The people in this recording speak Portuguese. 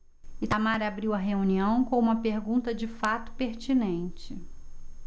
itamar abriu a reunião com uma pergunta de fato pertinente